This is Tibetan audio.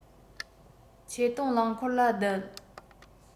ཆེད གཏོང རླངས འཁོར ལ བསྡད